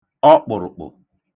ọkpụ̀rụ̀kpụ̀